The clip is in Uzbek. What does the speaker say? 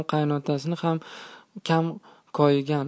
qaynotasini ham kam ko'rmagan